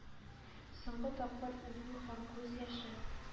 Соңгы тапкыр үбү һәм күз яше